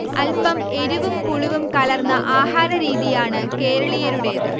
അല്പം എരിവും പുളിവും കലർന്ന ആഹാരരീതിയാണ് കേരളീയരുടേത്